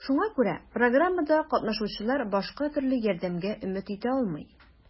Шуңа күрә программада катнашучылар башка төрле ярдәмгә өмет итә алмый.